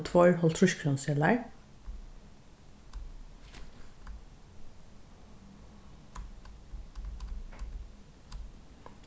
tveir hálvtrýsskrónuseðlar